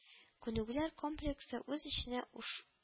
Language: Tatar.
Күнегүләр комплексы үз эченә уш